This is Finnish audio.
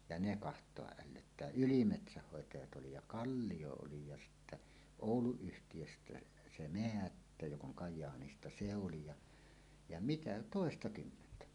ja ne katsoa ällöttää ylimetsänhoitajat oli ja Kallio oli ja sitten Oulu-yhtiöstä se Määttä joka on Kajaanista se oli ja ja mitä toistakymmentä